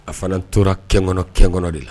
A fana tora kɛ kɔnɔ kɛn kɔnɔ de la